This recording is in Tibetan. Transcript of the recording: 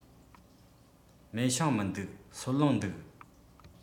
མེ ཤིང མི འདུག སོལ རླངས འདུག